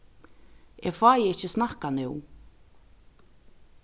eg fái ikki snakkað nú